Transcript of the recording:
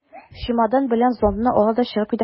Чемодан белән зонтны ала да чыгып китә.